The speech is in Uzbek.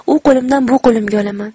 u qo'limdan bu qo'limga olaman